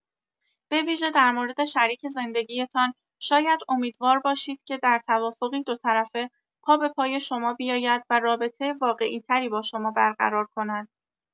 به‌ویژه درمورد شریک زندگی‌تان شاید امیدوار باشید که، در توافقی دوطرفه، پابه‌پای شما بیاید و رابطه واقعی‌تری با شما برقرار کند.